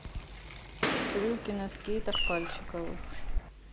трюки на скейтах пальчиковых